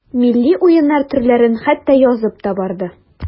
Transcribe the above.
Милли уеннар төрләрен хәтта язып та барды.